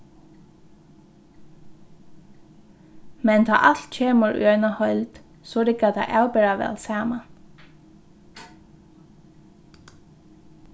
men tá alt kemur í eina heild so riggar tað avbera væl saman